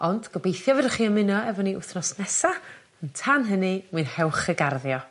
ond gobeithio fedrwch chi ymuno efo ni wthnos nesa on' tan hynny mwynhewch y garddio.